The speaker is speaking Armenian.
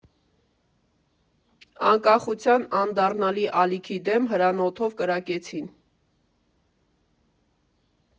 Անկախության անդառնալի ալիքի դեմ հրանոթով կրակեցին։